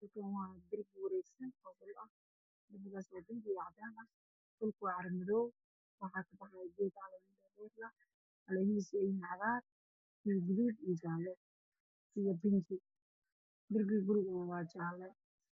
Waxaa ii muuqda geed cagaar ah oo wax ah oo baxaayo geedo kale